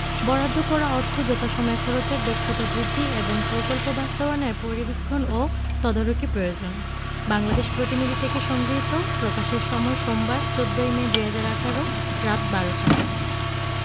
বরাদ্দ করা অর্থ যথাসময়ে খরচের দক্ষতা বৃদ্ধি এবং প্রকল্প বাস্তবায়নের পরিবীক্ষণ ও তদারকি প্রয়োজন বাংলাদেশ প্রতিনিধি থেকে সংগৃহীত প্রকাশের সময় সোমবার ১৪ ই মে ২০১৮ রাত ১২টা